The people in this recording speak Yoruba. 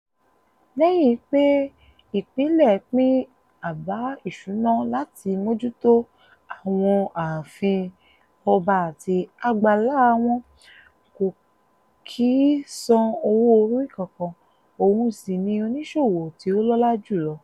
@charquaoia: Lẹ́yìn pé ìpínlẹ̀ pín àbá ìsúná láti mójútó àwọn ààfin ọba àti àgbàlá wọn, kò kìí san owó orí kankan, òun sì ni oníṣòwò tí ó lọ́lá jùlọ.